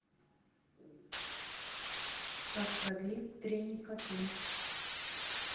как продлить трени коту